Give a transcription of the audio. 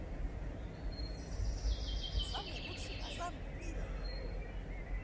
самый лучший азан в мире